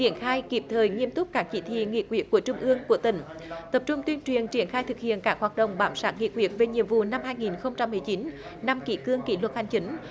triển khai kịp thời nghiêm túc các chỉ thị nghị quyết của trung ương của tỉnh tập trung tuyên truyền triển khai thực hiện các hoạt động bám sát nghị quyết về nhiệm vụ năm hai nghìn không trăm mười chín năm kỷ cương kỷ luật hành chính